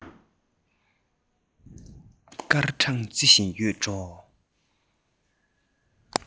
སྐར གྲངས རྩི བཞིན ཡོད འགྲོ